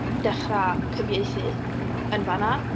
Dechrau cyfieithu yn fan'na.